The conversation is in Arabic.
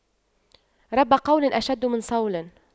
رب قول أشد من صول